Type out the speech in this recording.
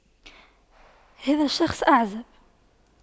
هذا الشخص أعزب